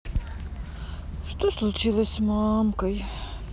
что случилось с мамкой